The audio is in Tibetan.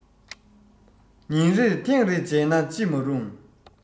ཉིན རེར ཐེངས རེ མཇལ ན ཅི མ རུང